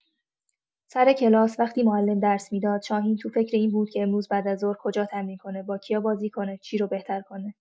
سر کلاس، وقتی معلم درس می‌داد، شاهین تو فکر این بود که امروز بعدازظهر کجا تمرین کنه، با کیا بازی کنه، چی رو بهتر کنه.